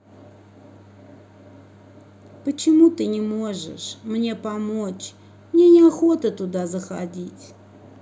почему ты не можешь мне помочь мне неохота заходить туда